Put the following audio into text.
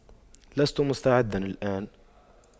لست مستعدا الآن